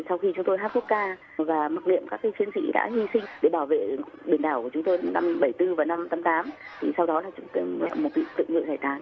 sau khi cho tôi hát quốc ca và mặc niệm các chiến sĩ đã hy sinh để bảo vệ biển đảo của chúng tôi một trăm bẩy tư và năm tám tám thì sau đó chúng tôi tự nguyện giải tán